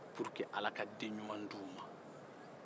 pour que ala ka denɲuman di u ma